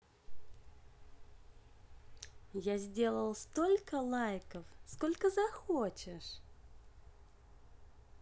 я сделал столько лайков сколько захочешь